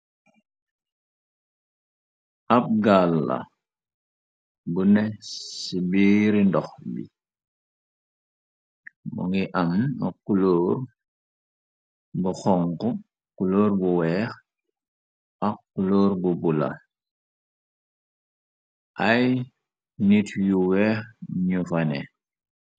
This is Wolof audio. Ab gaal la bu nes ci biiri ndox bi mu ngi amkulóor bu xonk kulóor bu weex ax lóor bu bula ay nit yu weex ñu fane.